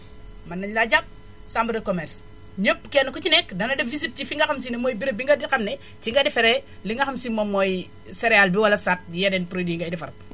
mën nañu la jàpp chambre de commerce ñépp kenn ku ci ne dana def visite ci fi nga xam si ne mooy béréb bi nga xam ne si nga defaree li nga xam si moom mooy céréale bi wala soit yeneen produit yi ngay defar